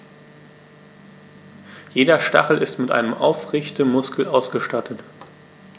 Jeder Stachel ist mit einem Aufrichtemuskel ausgestattet.